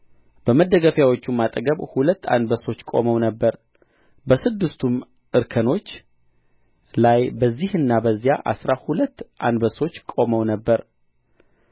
በመደገፊያዎችም አጠገብ ሁለት አንበሶች ቆመው ነበር በስድስቱም እርከኖች ላይ በዚህና በዚያ አሥራ ሁለት አንበሶች ቆመው ነበር